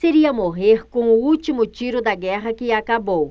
seria morrer com o último tiro da guerra que acabou